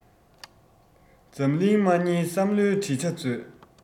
འཛམ གླིང མ བསྙེལ བསམ བློའི བྲིས བྱ མཛོད